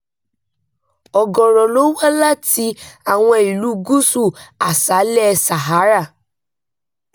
Ọ̀gọ̀rọ̀ ló wá láti àwọn Ìlú Gúúsù Aṣálẹ̀ Sahara.